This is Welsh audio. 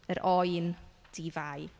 Yr oen di-fai.